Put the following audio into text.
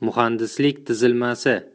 muhandislik tuzilmasi